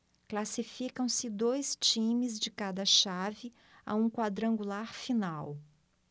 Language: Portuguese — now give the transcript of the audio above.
classificam-se dois times de cada chave a um quadrangular final